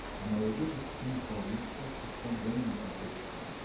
a maioria dos times paulistas está bem na competição